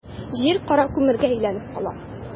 Җир кара күмергә әйләнеп кала.